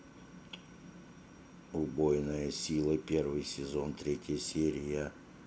убойная сила первый сезон третья серия